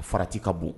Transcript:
Farati ka bon